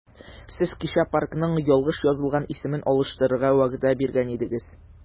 Сез кичә паркның ялгыш язылган исемен алыштырырга вәгъдә биргән идегез.